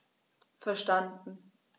Verstanden.